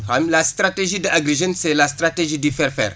la stratégie de Agri Jeune c' est la stratégie du faire faire